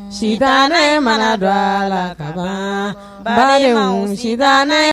Sisan mana dɔgɔ la ka ba